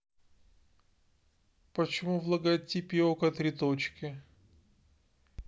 почему в логотипе окко три точки